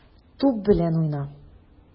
Туп белән уйна.